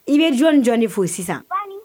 I bɛ jɔn jɔn de fo sisan